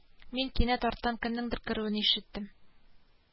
Әйтегез әле тизрәк.